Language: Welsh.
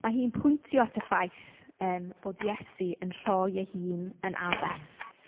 Ma' hi'n pwyntio at y ffaith yym bod Iesu yn rhoi ei hun yn aberth.